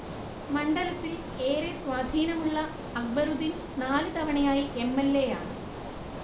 മണ്ഡലത്തിൽ ഏറെ സ്വാധീനമുള്ള അക്ബറുദ്ദീൻ നാലു തവണയായി എംഎൽഎയാണ്